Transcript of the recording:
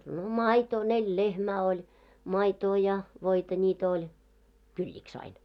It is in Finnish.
no maitoa neljä lehmää oli maitoa ja voita niitä oli kylliksi aina